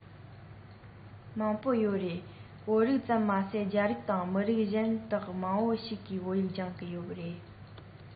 མང པོ ཡོད རེད བོད རིགས ཙམ མ ཟད རྒྱ རིགས དང མི རིགས གཞན དག མང པོ ཞིག གིས བོད ཡིག སྦྱང གི ཡོད རེད